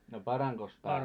no paranikos pää